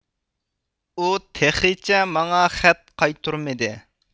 ئۇ تېخىچە ماڭا خەت قايتۇرمىدى